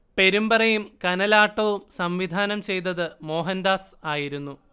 പെരുമ്പറയും കനലാട്ടവും സംവിധാനം ചെയ്തത് മോഹൻദാസ് ആയിരുന്നു